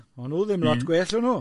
O'n nhw ddim lot gwell o'n nhw.